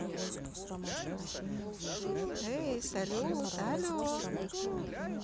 эй салют але